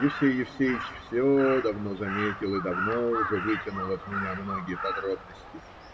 Евсей Евееич все давно заметил и давно уже вытянул от меня многие подробности.